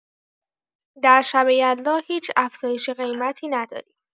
در شب یلدا هیچ افزایش قیمتی نداریم.